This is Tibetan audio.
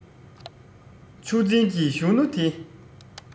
ཆུ འཛིན གྱི གཞོན ནུ དེ